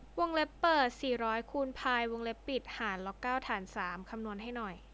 วงเล็บเปิดสี่ร้อยคูณพายวงเล็บปิดหารล็อกเก้าฐานสามคำนวณให้หน่อย